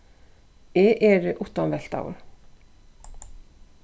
eg eri uttanveltaður